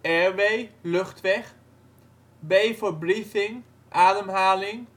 Airway (luchtweg) Breathing (ademhaling